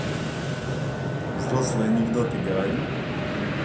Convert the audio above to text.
взрослый анекдоты говори